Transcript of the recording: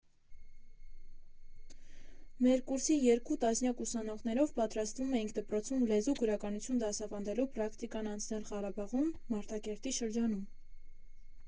Մեր կուրսի երկու տասնյակ ուսանողներով պատրաստվում էինք դպրոցում լեզու֊գրականություն դասավանդելու պրակտիկան անցնել Ղարաբաղում՝ Մարտակերտի շրջանում։